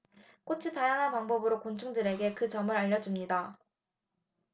꽃이 다양한 방법으로 곤충들에게 그 점을 알려 줍니다